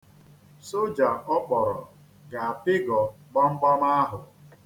Soja ọ kpọrọ ga-apịgọ gbamgbam ahụ.